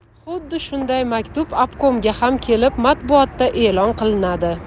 xuddi shunday maktub obkomga ham kelib matbuotda e'lon qilinadi